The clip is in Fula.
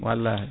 wallahi